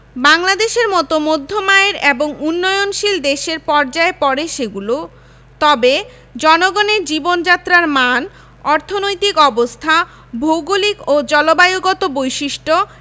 বাংলাদেশের মতো মধ্যম আয়ের এবং উন্নয়নশীল দেশের পর্যায়ে পড়ে সেগুলো তবে জনগণের জীবনযাত্রার মান অর্থনৈতিক অবস্থা ভৌগলিক ও জলবায়ুগত বৈশিষ্ট্য